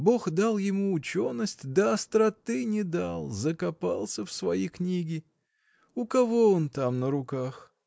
Бог дал ему ученость, да остроты не дал. закопался в свои книги! У кого он там на руках?.